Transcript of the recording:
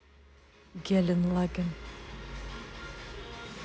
гелен лаген